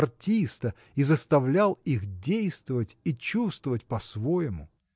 артиста и заставлял их действовать и чувствовать по-своему.